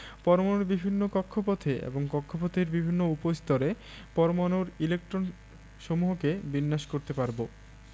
পরমাণুর বিভিন্ন কক্ষপথে এবং কক্ষপথের বিভিন্ন উপস্তরে পরমাণুর ইলেকট্রনসমূহকে বিন্যাস করতে পারব